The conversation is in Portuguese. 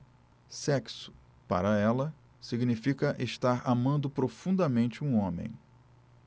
sexo para ela significa estar amando profundamente um homem